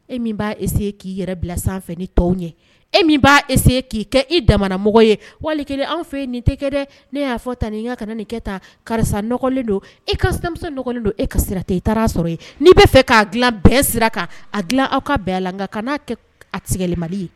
E min b'a ese k'i yɛrɛ bila sanfɛ ni tɔw ɲɛ e min b'a ese k'i kɛ imɔgɔ ye wali an fɛ nin tɛ dɛ ne y'a fɔ tan ni i ka kana nin kɛ ta karisa nɔgɔli don e ka sanuli don e ka sira tɛ i taara' sɔrɔ ye ni bɛ' fɛ k'a dilan bɛn sira kan a dilan aw ka bɛn la ka n'a kɛ a sɛli mali ye